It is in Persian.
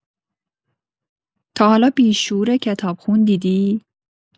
تا حالا بیشعور کتابخون دیدی؟